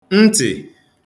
ntị̀